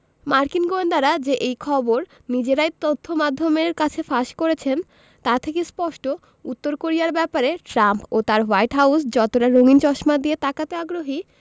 মার্কিন গোয়েন্দারা যে এই খবর নিজেরাই তথ্যমাধ্যমের কাছে ফাঁস করেছেন তা থেকে স্পষ্ট উত্তর কোরিয়ার ব্যাপারে ট্রাম্প ও তাঁর হোয়াইট হাউস যতটা রঙিন চশমা দিয়ে তাকাতে আগ্রহী